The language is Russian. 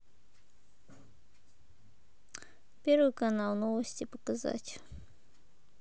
первый канал новости показать